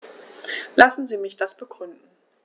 Lassen Sie mich das begründen.